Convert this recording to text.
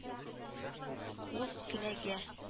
Ул келәгә